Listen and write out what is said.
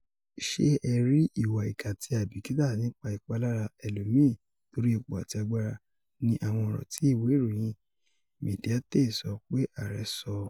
Ṣe ẹ rí ìwà ìkà àti àìbíkìtà nípa ìpalára ẹlòmíì torí ipò àti agbára,” ni àwọn ọ̀rọ̀ ti ìwé iroyin Mediaite sọ pé ààrẹ sọ́ ọ.